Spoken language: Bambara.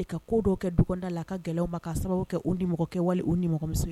I ka ko dɔw kɛ duda la ka gɛlɛya ma ka sababu kɛ u ni mɔgɔ kɛ wale u nimɔgɔmuso ye